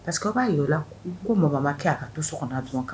Pa parce que b'a y'o la ko mamakɛ' ka to so jumɛn kan